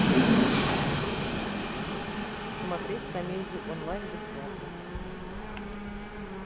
смотреть комедии онлайн бесплатно